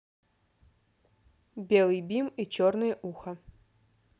белый бим и черное ухо